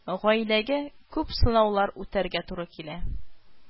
Гаиләгә күп сынаулар үтәргә туры килә